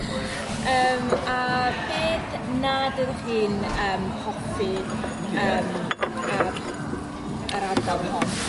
Yym a beth nad ydych chi'n yym hoffi yym ar yr ardal hon?